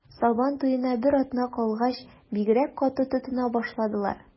Сабан туена бер атна калгач, бигрәк каты тотына башладылар.